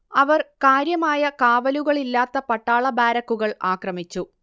അവർ കാര്യമായ കാവലുകളില്ലാത്ത പട്ടാള ബാരക്കുകൾ ആക്രമിച്ചു